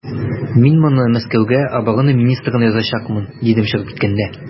Мин моны Мәскәүгә оборона министрына язачакмын, дидем чыгып киткәндә.